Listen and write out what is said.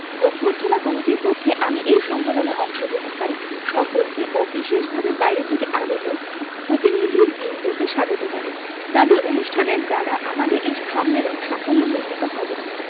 অভ্যর্থনা কমিটির পক্ষে আমি এই সম্মেলনে অংশগ্রহণকারী সকলকে ও বিশেষভাবে বাইরে থেকে আগত প্রতিনিধিবৃন্দকে স্বাগত জানাই তাদের অনুষ্ঠানের দ্বারা আমাদের এ সম্মেলন সাফল্যমণ্ডিত হবে